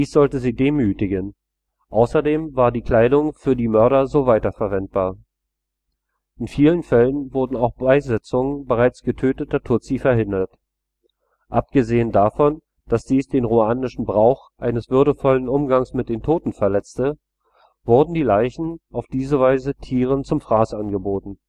sollte sie demütigen, außerdem war die Kleidung für die Mörder so weiter verwendbar. In vielen Fällen wurden auch Beisetzungen bereits getöteter Tutsi verhindert. Abgesehen davon, dass dies den ruandischen Brauch eines würdevollen Umgangs mit Toten verletzte, wurden die Leichen auf diese Weise Tieren zum Fraß angeboten